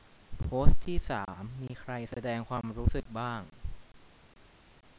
โพสต์ที่สามมีใครแสดงความรู้สึกบ้าง